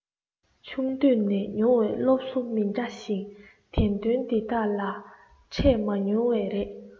ཆུང དུས ནས མྱོང བའི སློབ གསོ མི འདྲ ཞིང བདེན དོན འདི དག ལ འཕྲད མ མྱོང བས རེད